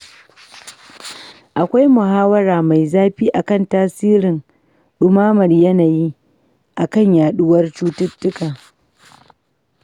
Akwai muhawara mai zafi a kan tasirin ɗumamar yanayi a kan yaɗuwar cututtuka.